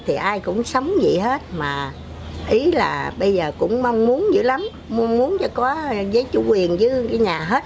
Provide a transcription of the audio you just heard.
thì ai cũng sống dậy hết mà ý là bây giờ cũng mong muốn giữ lắm mong muốn có giấy chủ quyền ý chứ với cái nhà hết